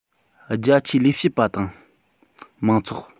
རྒྱ ཆེའི ལས བྱེད པ དང མང ཚོགས